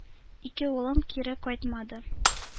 Ике улым кире кайтмады,